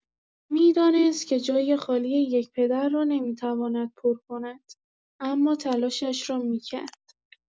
می‌دانست که جای خالی یک پدر را نمی‌تواند پر کند، اما تلاشش را می‌کرد.